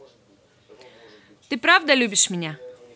ты правда любишь меня